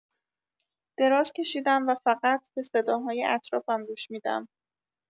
دراز کشیدم و فقط به صداهای اطرافم گوش می‌دم.